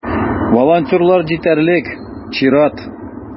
Волонтерлар җитәрлек - чират.